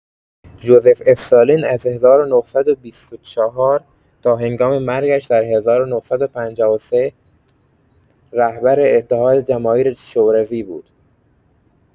ژوزف استالین از ۱۹۲۴ تا هنگام مرگش در ۱۹۵۳ رهبر اتحاد جماهیر شوروی بود.